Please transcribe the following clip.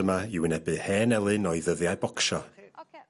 ...yma i wynebu hen elyn o'i ddyddiau bocsio.